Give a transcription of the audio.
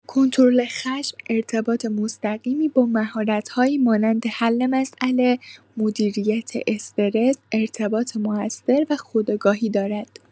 کنترل خشم ارتباط مستقیمی با مهارت‌هایی مانند حل مسئله، مدیریت استرس، ارتباط مؤثر و خودآگاهی دارد.